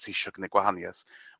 sy isio gneud gwahanieth.